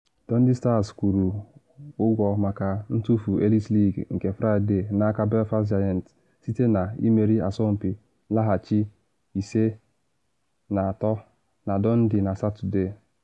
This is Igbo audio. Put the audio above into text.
Dundee Stars kwụrụ ụgwọ maka ntufu Elite League nke Fraịde n’aka Belfast Giants site na imeri asọmpi nlaghachi 5-3 na Dundee na Satọde.